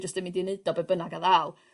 jyst yn mynd i neud o be' bynnag â ddaw.